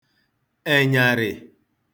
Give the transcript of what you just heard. ẹ̀nyàrị̀